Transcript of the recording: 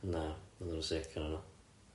Na ma' nhw'n sick ohonyn nhw.